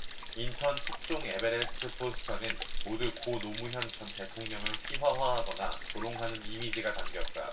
인턴 특종 에베레스트 포스터는 모두 고 노무현 전 대통령을 희화화하거나 조롱하는 이미지가 담겼다